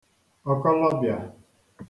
ọ̀kọlọbịà